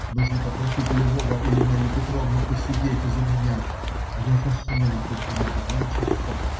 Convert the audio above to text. Нужно попросить Львова или Марью Петровну посидеть за меня, а я засну хоть на два часа.